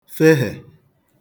fehè